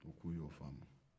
a ko n ye o faamu